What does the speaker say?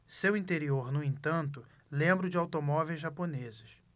seu interior no entanto lembra o de automóveis japoneses